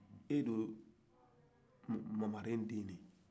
e dun mɔden den de y'o ye